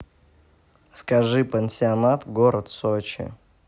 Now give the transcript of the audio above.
скажи пансионат город сочи